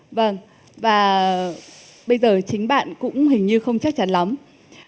vâng và bây giờ chính bạn cũng hình như không chắc chắn lắm